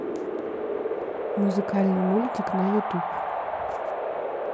музыкальный мультик на ютуб